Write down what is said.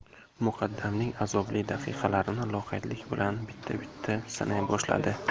muqaddamning azobli daqiqalarini loqaydlik bilan bitta bitta sanay boshladi